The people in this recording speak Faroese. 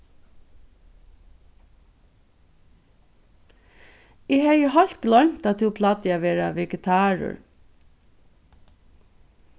eg hevði heilt gloymt at tú plagdi at vera vegetarur